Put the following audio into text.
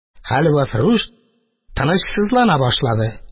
Хәлвәфрүш тынычсызлана башлады.